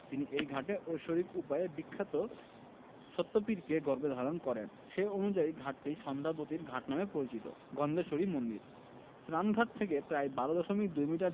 তিনি এই ঘাটে ঐশ্বরিক উপায়ে বিখ্যাত সত্যপীরকে গর্ভে ধারণ করেন সে অনুযায়ী ঘাটটি সন্ধ্যাবতীর ঘাট নামে পরিচিত গন্ধেশ্বরী মন্দিরঃ স্নানঘাট থেকে প্রায় ১২ দশমিক ২ মিটার